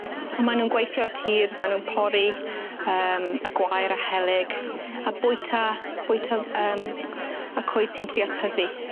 Ma' nw'n gweithio y tir, ma' nw'n pori yym y gwair a helyg a bwyta bwyta yym y coed sy'n trio tyfu.